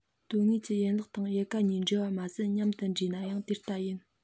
དོན དངོས ཀྱི ཡན ལག སྟེང ཡལ ག གཉིས འབྲེལ བ མ ཟད མཉམ དུ འདྲེས ནའང དེ ལྟ ཡིན